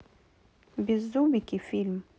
беззубики фильм